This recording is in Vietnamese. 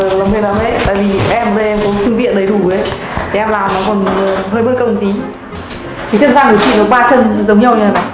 răng của chị là mệt lắm đấy em đây em có phụ kiện đầy đủ làm cũng hơi mất công một tí chân răng của chị có chân giống nhau như thế này này